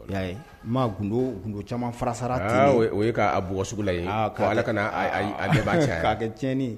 O y'a ye maa gdo gdo caman farasara ta o ye k'a bɔug sugu la yen ko ala ka' cɛ k'a kɛcɲɛni